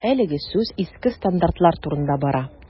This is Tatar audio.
Әлегә сүз иске стандартлар турында бара.